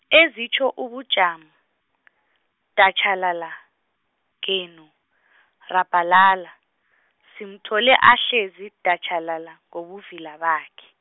ezitjho ubujamo, datjhalala, genu , rabhalala, simthole ahlezi, datjhalala, ngobuvila bakhe.